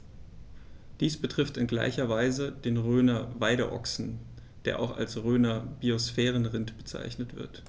Dies betrifft in gleicher Weise den Rhöner Weideochsen, der auch als Rhöner Biosphärenrind bezeichnet wird.